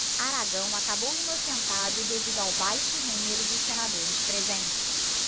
aragão acabou inocentado devido ao baixo número de senadores presentes